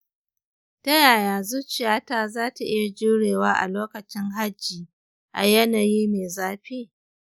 ta yaya zuciyata za ta iya jurewa a lokacin hajji a yanayi mai zafi?